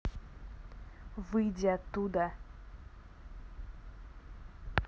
выйди оттуда